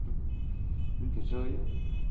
mình phải sợ chớ